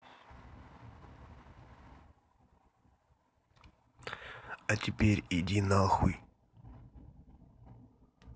а теперь иди нахуй